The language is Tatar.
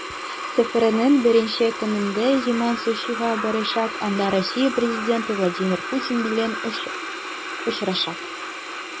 Сәфәренең беренче көнендә Земан Сочига барачак, анда Россия президенты Владимир Путин белән очрашачак.